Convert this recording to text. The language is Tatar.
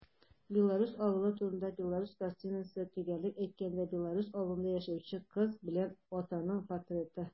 Белорус авылы турында белорус картинасы - төгәлрәк әйткәндә, белорус авылында яшәүче кыз белән атаның портреты.